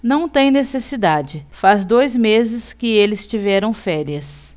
não tem necessidade faz dois meses que eles tiveram férias